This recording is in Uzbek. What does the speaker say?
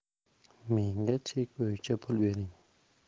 menga chek boyicha pul bering